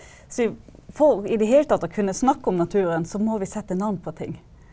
så for i det hele tatt å kunne snakke om naturen så må vi sette navn på ting.